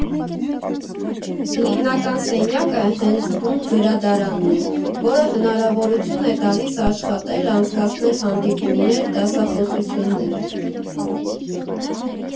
Հիմնական սենյակը հենց բուն գրադարանն է, որը հնարավորություն է տալիս աշխատել, անցկացնել հանդիպումներ, դասախոսություններ։